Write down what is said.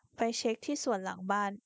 ไปเช็คที่สวนหลังบ้าน